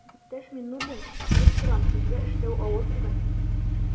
Иптәш Миңнуллин, күреп торам, сезгә эшләү авыр бүген.